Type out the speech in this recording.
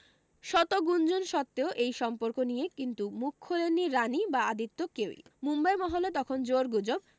শত গুঞ্জন সত্ত্বেও এই সম্পর্ক নিয়ে কিন্তু মুখ খোলেননি রানি বা আদিত্য কেউই মুম্বাই মহলে তখন জোর গুজব